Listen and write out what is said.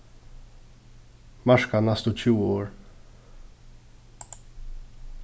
marka næstu tjúgu orð